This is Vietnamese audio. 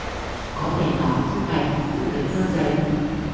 có thể nói tôi ngày một nữ tính hơn đấy